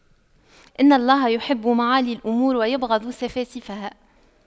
إن الله يحب معالي الأمور ويبغض سفاسفها